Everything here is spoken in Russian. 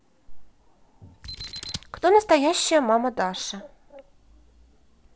кто настоящая мама даши